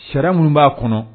Sira minnu b'a kɔnɔ